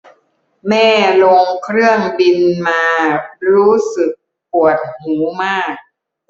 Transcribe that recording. แม่ลงเครื่องบินมารู้สึกปวดหูมาก